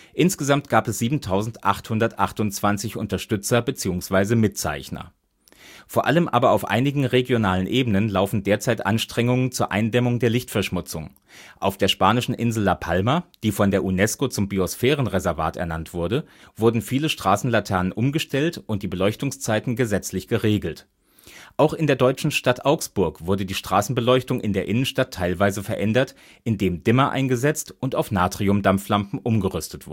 Insgesamt gab es 7828 Unterstützer/Mitzeichner. Vor allem aber auf einigen regionalen Ebenen laufen derzeit Anstrengungen zur Eindämmung der Lichtverschmutzung: Auf der spanischen Insel La Palma (von der UNESCO zum Biosphärenreservat ernannt) wurden viele Straßenlaternen umgestellt und die Beleuchtungszeiten gesetzlich geregelt. Auch in der deutschen Stadt Augsburg wurde die Straßenbeleuchtung der Innenstadt teilweise verändert, indem Dimmer eingesetzt und auf Natriumdampflampen umgerüstet